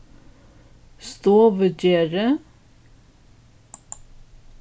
stovugerði